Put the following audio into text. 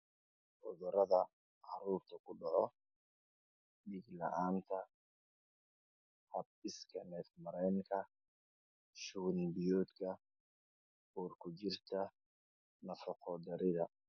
Cudurada caruurta kudhaco. Diig la' aanta, habdhiska neef mareenka Shuban biyoodka, uur kujirta nafaqo yarida.